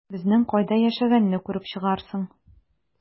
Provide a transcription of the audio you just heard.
Безнең кайда яшәгәнне күреп чыгарсың...